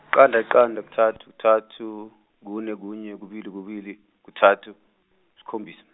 iqanda iqanda kuthathu kuthathu, kune kunye kubili kubili, kuthathu, isikhombisa.